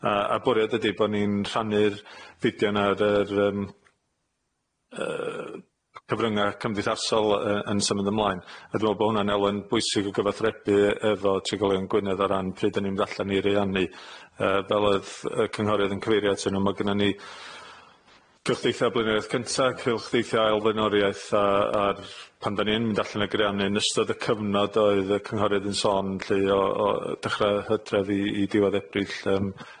A a bwriad ydi bo' ni'n rhannu'r fideo 'na ar yr yym yy cyfrynga cymdeithasol yy yn symud ymlaen a dwi me'wl bo' hwnna'n elfen bwysig o gyfathrebu e- efo trigolion Gwynedd o ran pryd 'dan ni'n mynd allan i reanu yy fel oedd yy Cynghorydd yn cyfeirio atyn n'w ma' gynnon ni cylchdeitha blaenoriaeth cynta, cylchdeitha ail blaenoriaeth a a pan 'dan ni yn mynd allan a greanu yn ystod y cyfnod oedd y Cynghoryddd yn sôn lly o o yy dechra Hydref i i diwedd Ebrill yym,